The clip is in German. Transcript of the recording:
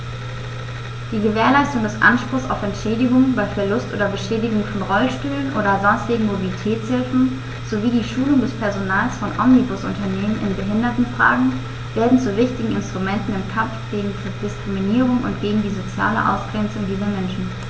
Die Gewährleistung des Anspruchs auf Entschädigung bei Verlust oder Beschädigung von Rollstühlen oder sonstigen Mobilitätshilfen sowie die Schulung des Personals von Omnibusunternehmen in Behindertenfragen werden zu wichtigen Instrumenten im Kampf gegen Diskriminierung und gegen die soziale Ausgrenzung dieser Menschen.